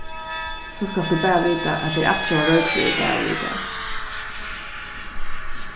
so skalt tú bara vita at tað er altjóða roykfríur dagur í dag